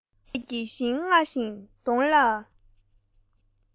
འཕྲུལ ཆས ཀྱིས ཞིང རྔ བཞིན གདོང ལ